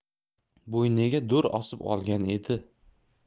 bo'yniga dur osib olgan edi